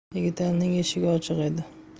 yigitalining eshigi ochiq edi